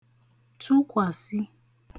tụkwàsị